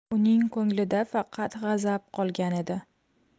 uning ko'nglida faqat g'azab qolgan edi